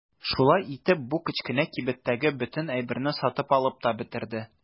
Шулай итеп бу кечкенә кибеттәге бөтен әйберне сатып алып та бетерде.